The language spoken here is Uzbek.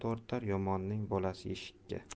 tortar yomonning bolasi eshikka